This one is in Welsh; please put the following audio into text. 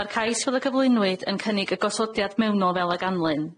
Ma'r cais fel y gyflwynwyd yn cynnig y gosodiad mewnol fel y ganlyn.